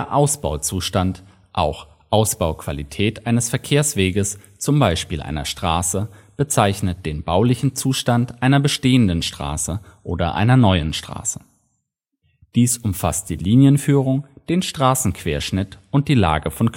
Ausbauzustand (auch Ausbauqualität) eines Verkehrsweges, z. B. einer Straße, bezeichnet den baulichen Zustand einer bestehenden Straße oder einer neuen Straße. Dies umfasst die Linienführung, den Straßenquerschnitt und die Lage von Knotenpunkten